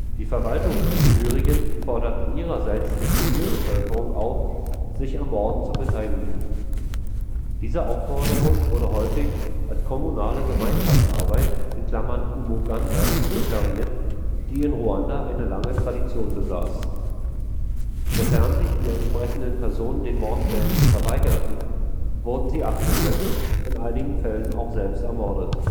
Die Verwaltungsangehörigen forderten ihrerseits die Zivilbevölkerung auf, sich am Morden zu beteiligen. Diese Aufforderung wurde häufig als kommunale Gemeinschaftsarbeit (umuganda) deklariert, die in Ruanda eine lange Tradition besaß. Sofern sich die entsprechenden Personen den Mordplänen verweigerten, wurden sie abgesetzt, in einigen Fällen auch selbst ermordet